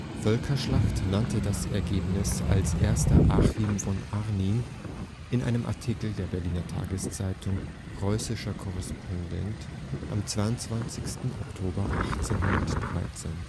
Völkerschlacht “nannte das Ereignis als Erster Achim von Arnim in einem Artikel der Berliner Tageszeitung Preußischer Correspondent am 22. Oktober 1813. Er